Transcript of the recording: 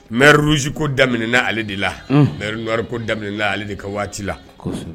Mɛ ruuruzko daminɛna ale de la mɛre ko damin ale de ka waati la